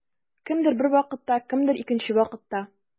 Кемдер бер вакытта, кемдер икенче вакытта.